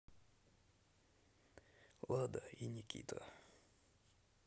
лада и никита